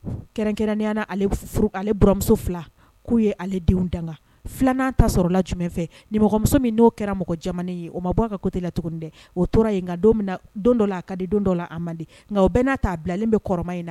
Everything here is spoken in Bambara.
Kɛrɛnkɛrɛnnenya alemuso fila k'u ye ale denw dan filanan ta sɔrɔ la jumɛn fɛ nimɔgɔmuso min n'o kɛra mɔgɔ jamana ye o ma bɔ ka kotɛ la tuguni dɛ o tora yen nka don dɔ la a ka di don dɔ la a mande nka bɛɛ n'a'a bilalen bɛ kɔrɔ in na